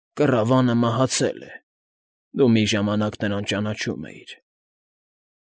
Կռավանը մահացել է, դու մի ժամանակ նրան ճանաչում էիր։